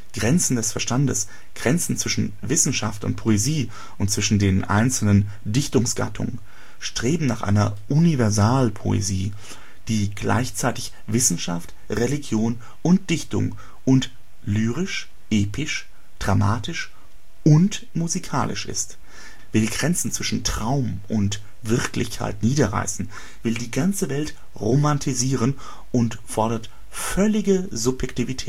Grenzen des Verstandes, Grenzen zwischen Wissenschaft und Poesie und zwischen den einzelnen Dichtungsgattungen – Streben nach einer „ Universalpoesie “, die gleichzeitig Wissenschaft, Religion und Dichtung und lyrisch, episch, dramatisch und musikalisch ist; will Grenzen zwischen Traum und Wirklichkeit niederreißen; will die ganze Welt „ romantisieren “und fordert völlige Subjektivität